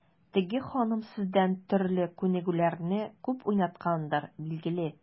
Теге ханым сездән төрле күнегүләрне күп уйнаткандыр, билгеле.